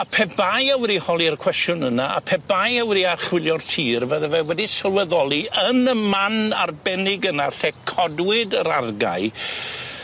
A pe bai e wedi holi'r cwestiwn yna a pe bai e wedi archwilio'r tir fydde fe wedi sylweddoli yn y man arbennig yna lle codwyd yr argae